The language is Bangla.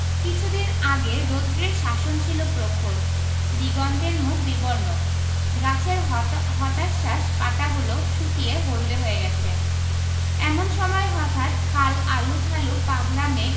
কিছুদিন আগে রৌদ্রের শাসন ছিল প্রখর দিগন্তের মুখ বিবর্ণ গাছের হতাশ্বাস পাতাগুলো শুকিয়ে হলদে হয়ে গেছে এমন সময় হঠাৎ কাল আলুথালু পাগলা মেঘ